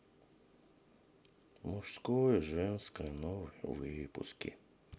мужское женское новые выпуски